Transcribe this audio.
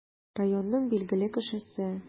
Районның билгеле кешесе.